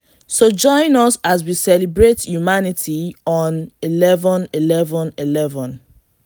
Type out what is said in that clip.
So join us as we celebrate humanity on 11/11/11.